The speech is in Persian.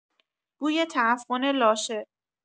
بوی تعفن لاشه